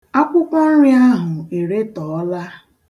Akwụkwọnri ahụ eretọọla.